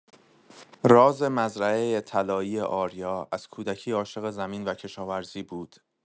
راز مزرعۀ طلایی آریا از کودکی عاشق زمین و کشاورزی بود.